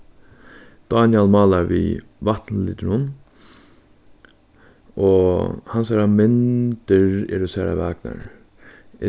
dánjal málar við og hansara myndir eru sera